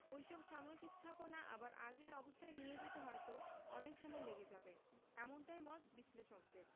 ওই সব সামরিক স্থাপনা আবার আগের অবস্থায় নিয়ে যেতে হয়তো অনেক সময় লেগে যাবে এমনটাই মত বিশ্লেষকদের